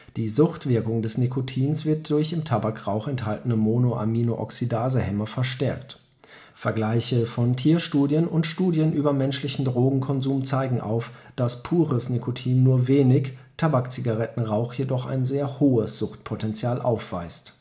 Die Suchtwirkung des Nicotins wird durch im Tabakrauch enthaltene Monoaminooxidase-Hemmer verstärkt. Vergleiche von Tierstudien und Studien über menschlichen Drogenkonsum zeigen auf, dass pures Nicotin nur wenig, Tabakzigarettenrauch ein sehr hohes Suchtpotenzial aufweist